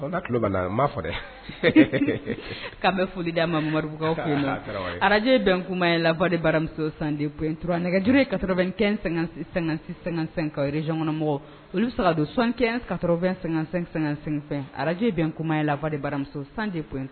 K' bɛ foli d'a ma mori arajjɛ bɛ kuma ye lafa de baramuso santura nɛgɛje kasɔrɔ kɛ-sɛ zgɔnmɔgɔ olusaka don sanɛnkasɔrɔfɛn san-- san-sɛsɛn arajjɛ bɛ kuma in lafa bara san ptu